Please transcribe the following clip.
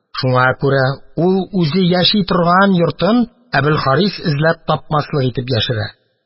Шуңа күрә ул үзенең яши торган йортын Әбелхарис эзләп тапмаслык итеп яшерә.